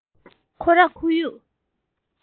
ཁོ ར ཁོར ཡུག